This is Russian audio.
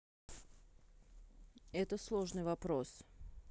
это сложный вопрос